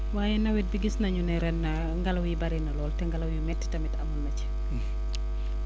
waaye nawet bi gis nañu ne ren ngelaw yi bëri na lool te ngelaw yu métti tamit amoon na ci